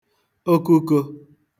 okukō